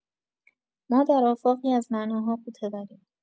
ما در آفاقی از معناها غوطه‌وریم.